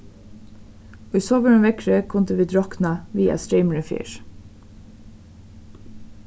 í sovorðnum veðri kundu vit roknað við at streymurin fer